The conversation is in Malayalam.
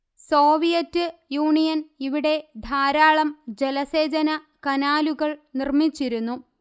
സോവിയറ്റ് യൂണിയൻ ഇവിടെ ധാരാളം ജലസേചന കനാലുകൾ നിർമ്മിച്ചിരുന്നു